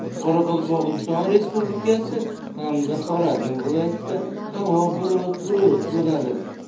qoraqalpog'iston respublikasi hamda xorazm viloyatida havo biroz